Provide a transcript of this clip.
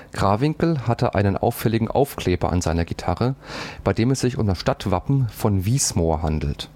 Krawinkel hatte einen auffälligen Aufkleber auf seiner Gitarre, bei dem es sich um das Stadtwappen von Wiesmoor handelt